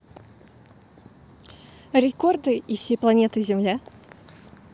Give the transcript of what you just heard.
рекорды и всей планеты земля